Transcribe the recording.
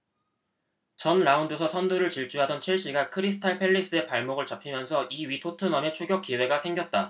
전 라운드서 선두를 질주하던 첼시가 크리스탈 팰리스에 발목을 잡히면서 이 위 토트넘에 추격 기회가 생겼다